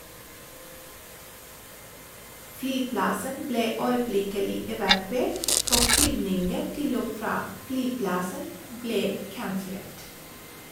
Flyplassen ble øyeblikkelig evakuert, og flyvninger til og fra flyplassen ble kansellert.